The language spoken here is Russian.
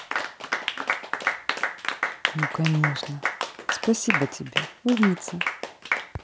ну конечно спасибо тебе умница